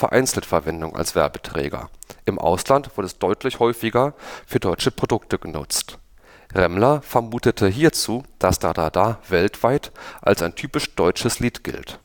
vereinzelt Verwendung als Werbeträger – im Ausland wird es deutlich häufiger für deutsche Produkte genutzt. Remmler vermutete hierzu, dass „ Da da da “weltweit als ein typisch deutsches Lied gilt